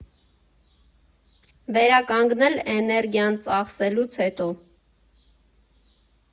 Վերականգնվել էներգիան ծախսելուց հետո։